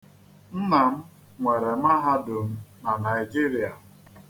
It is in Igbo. Nna m nwere mahadum na Naijirịa.